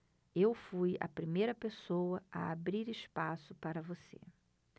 eu fui a primeira pessoa a abrir espaço para você